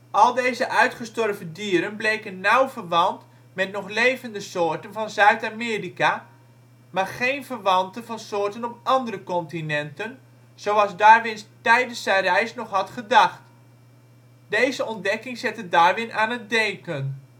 Al deze uitgestorven dieren bleken nauw verwant met nog levende soorten van Zuid-Amerika, maar geen verwanten van soorten op andere continenten, zoals Darwin tijdens zijn reis nog had gedacht. Deze ontdekking zette Darwin aan het denken